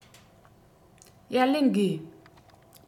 ཡར ལེན དགོས